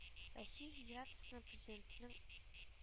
Россия Федерациясының Президентының